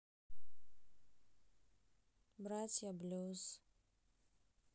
братья блюз